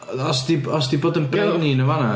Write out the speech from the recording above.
Os 'di os 'di bod yn brenin yn fan'na...